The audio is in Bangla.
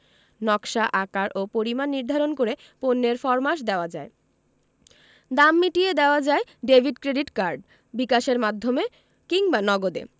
নকশা আকার ও পরিমাণ নির্ধারণ করে পণ্যের ফরমাশ দেওয়া যায় দাম মিটিয়ে দেওয়া যায় ডেভিড ক্রেডিট কার্ড বিকাশের মাধ্যমে কিংবা নগদে